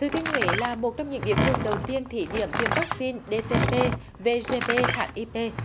thừa thiên huế là một trong những địa phương đầu tiên thí điểm tiêm vắc xin đê tê pê vê gi bê hát y bê